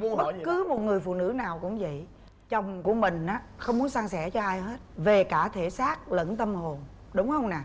bất cứ một người phụ nữ nào cùng vậy chồng của mình á không muốn san sẻ cho ai hết về cả thể xác lẫn tâm hồn đúng hông nè